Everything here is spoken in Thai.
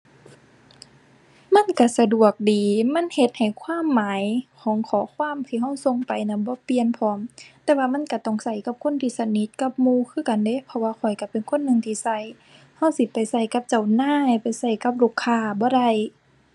มันก็สะดวกดี มันเฮ็ดให้ความหมายของข้อความที่ก็ส่งไปนั้นบ่เปลี่ยนพร้อม แต่ว่ามันก็ต้องก็กับคนที่สนิทกับหมู่คือกันเดะ เพราะว่าข้อยก็เป็นคนหนึ่งที่ก็ ก็สิไปก็กับเจ้านาย ไปก็กับลูกค้าบ่ได้